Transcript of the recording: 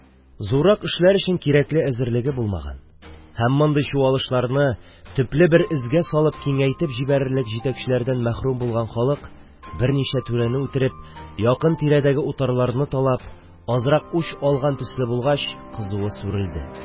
Зуррак эшләр өчен кирәкле әзерлеге һәм мондый чуалышларны төпле бер эзгә салып киңәйтеп җибәрерлек җитәкчеләре булмаган халыкның, берничә түрәне үтереп, якын тирәдәге утарларны талап азрак үч алган төсле булгач, кызуы сүрелде.